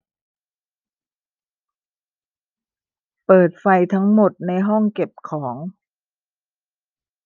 เปิดไฟทั้งหมดในห้องเก็บของ